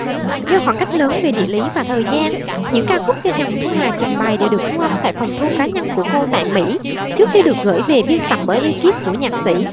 do khoảng cách lớn về địa lý và thời gian những ca khúc do trần thu hà trình bày đều được thu âm tại phòng thu cá nhân của cô tại mỹ trước khi được gửi về biên tập bởi ê kíp của nhạc sĩ